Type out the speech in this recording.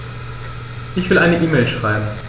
Ich will eine E-Mail schreiben.